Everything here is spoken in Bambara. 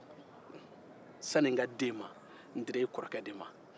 sani n ka di e ma n dira e kɔrɔkɛ de ma